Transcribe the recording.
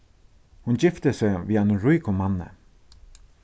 hon gifti seg við einum ríkum manni